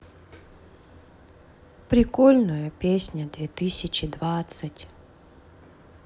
прикольная песня две тысячи двадцать